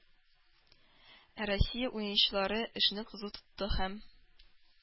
Ә Россия уенчылары эшне кызу тотты һәм